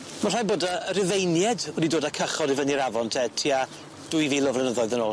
Ma' rhaid bod y y Rhufeinied wedi dod â cychod i fyny'r afon te tua dwy fil o flynyddoedd yn ôl.